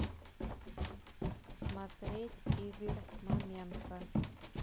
смотреть игорь маменко